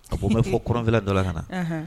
A ko n bɛ fɔ kuranf dɔ ka na